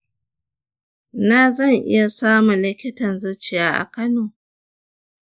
ina zan iya samu likitan zuciya a kano?